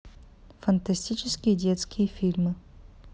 фантастические детские фильмы